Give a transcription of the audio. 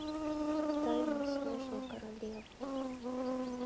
тайна снежной королевы